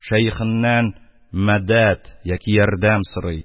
Шәехеннән мәдәд ягъни ярдәм сорый,